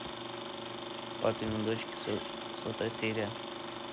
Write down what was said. папины дочки сотая серия